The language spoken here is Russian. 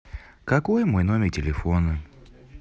какой мой номер телефона